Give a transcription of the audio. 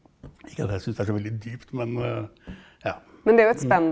ikke at jeg syns det er så veldig dypt men ja .